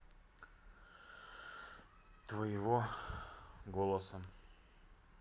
твоего голоса